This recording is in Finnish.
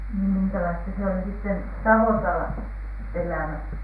niin minkälaista se oli sitten savotalla elämä